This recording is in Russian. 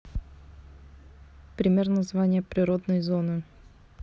пример название природной зоны